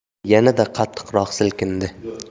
yer yanada qattiqroq silkindi